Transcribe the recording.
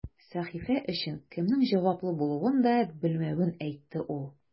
Сәхифә өчен кемнең җаваплы булуын да белмәвен әйтте ул.